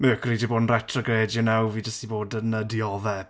Mercury 'di bod yn retrograde y'know? fi jyst wedi bod yn yy dioddef.